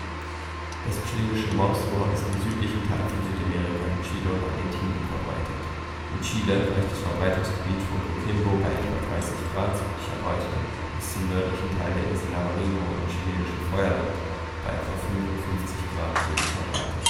Chilenische Mausohr ist im südlichen Teil von Südamerika in Chile und Argentinien verbreitet. In Chile reicht das Verbreitungsgebiet von Coquimbo bei etwa 30° südlicher Breite bis zum nördlichen Teil der Insel Navarino im chilenischen Feuerland bei etwa 55° südlicher Breite